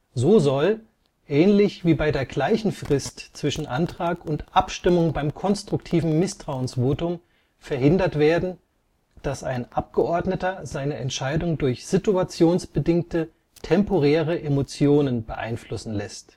So soll, ähnlich wie bei der gleichen Frist zwischen Antrag und Abstimmung beim konstruktiven Misstrauensvotum, verhindert werden, dass ein Abgeordneter seine Entscheidung durch situationsbedingte, temporäre Emotionen beeinflussen lässt